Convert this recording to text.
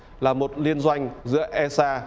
là một liên doanh giữa e sa